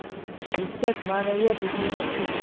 yuksak ma naviyat yengilmas kuch